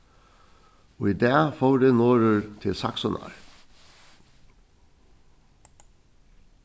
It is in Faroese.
í dag fór eg norður til saksunar